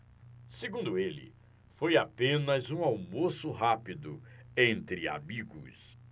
segundo ele foi apenas um almoço rápido entre amigos